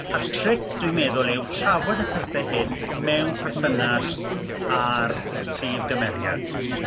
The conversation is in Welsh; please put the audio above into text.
a'r tric dwi'n meddwl yw trafod y pethe hyn mewn pyrthynas a'r prif gymeriad achos